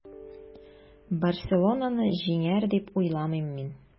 “барселона”ны җиңәр, дип уйламыйм мин.